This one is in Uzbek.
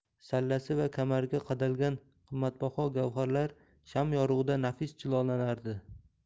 sallasi va kamariga qadalgan qimmatbaho gavharlar sham yorug'ida nafis jilolanardi